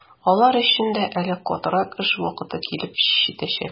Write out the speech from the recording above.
Алар өчен дә әле катырак эш вакыты килеп җитәчәк.